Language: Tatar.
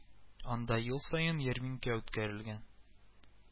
Анда ел саен ярминкә үткәрелгән